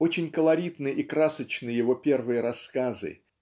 Очень колоритны и красочны его первые рассказы